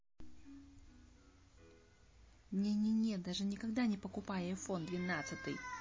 не не не даже никогда не покупай айфон двенадцатый